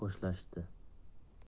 yurt bilan xo'shlashdi